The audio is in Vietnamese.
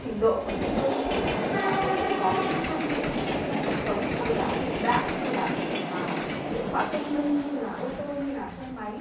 trình độ có thể hơn chúng ta có thể có những cái phương tiện trong cuộc sống nó rất là hiện đại như là à điện thoại thông minh như là ô tô như là xe máy